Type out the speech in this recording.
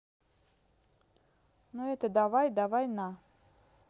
ну это давай давай на